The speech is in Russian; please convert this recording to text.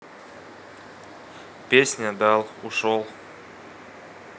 песня дал ушел